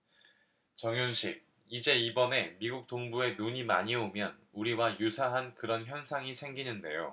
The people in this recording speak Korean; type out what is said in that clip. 정윤식 이제 이번에 미국 동부에 눈이 많이 오면 우리와 유사한 그런 현상이 생기는데요